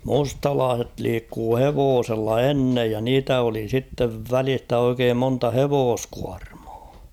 mustalaiset liikkui hevosella ennen ja niitä oli sitten välistä oikein monta hevoskuormaa